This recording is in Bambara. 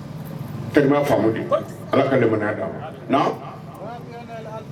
Alaaleya